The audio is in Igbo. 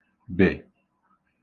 -bè